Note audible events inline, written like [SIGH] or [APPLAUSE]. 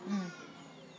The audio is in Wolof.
[HESITATION] [HESITATION]